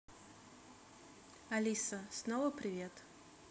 алиса снова привет